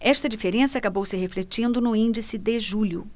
esta diferença acabou se refletindo no índice de julho